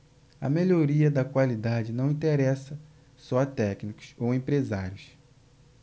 a melhoria da qualidade não interessa só a técnicos ou empresários